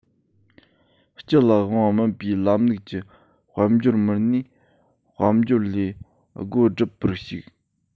སྤྱི ལ དབང བ མིན པའི ལམ ལུགས ཀྱི དཔལ འབྱོར མི སྣས དཔལ འབྱོར ལས སྒོ སྒྲུབ པར ཞུགས